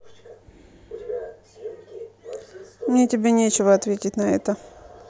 мне тебе нечего ответить на это